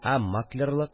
Ә маклерлык